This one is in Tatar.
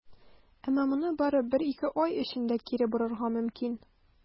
Әмма моны бары бер-ике ай эчендә кире борырга мөмкин.